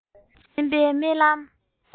རྩེན པའི རྨི ལམ